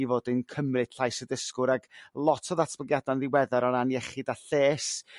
i fod yn cymryd llais y dysgwr ag lot o ddatblygiada'n ddiweddar o ran iechyd a lles.